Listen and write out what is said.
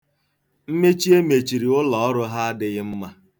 Mmechi e mechiri ụlọọrụ ha adịghị mma.